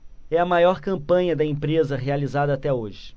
é a maior campanha da empresa realizada até hoje